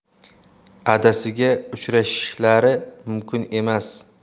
adasiga uchrashishlari mumkin emas